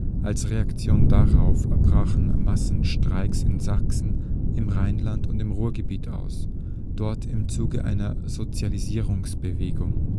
Als Reaktion darauf brachen Massenstreiks in Sachsen, im Rheinland und im Ruhrgebiet aus, dort im Zuge einer Sozialisierungsbewegung